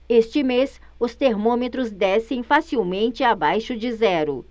este mês os termômetros descem facilmente abaixo de zero